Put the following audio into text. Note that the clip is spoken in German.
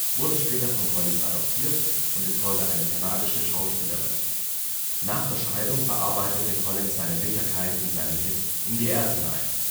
wurde später von Collins adoptiert und ist heute eine kanadische Schauspielerin. Nach der Scheidung verarbeitete Collins seine Bitterkeit in seinem Hit In the Air Tonight